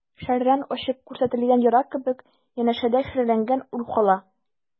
Шәрран ачып күрсәтелгән яра кебек, янәшәдә шәрәләнгән ур кала.